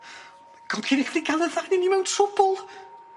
God ti'n gallu cael y ddau o'n ni mewn trwbwl.